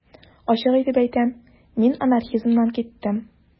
Ачык итеп әйтәм: мин анархизмнан киттем.